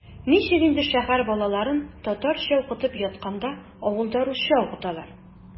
Ничек инде шәһәр балаларын татарча укытып ятканда авылда русча укыталар?!